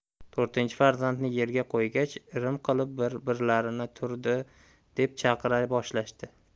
to'rtinchi farzandni yerga qo'ygach irim qilib bir birlarini turdi deb chaqira boshlashdi